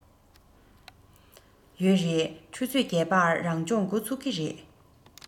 ཡོད རེད ཆུ ཚོད བརྒྱད པར རང སྦྱོང འགོ ཚུགས ཀྱི རེད